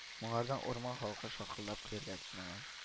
Моңардан урман халкы шаркылдап көләргә тотынган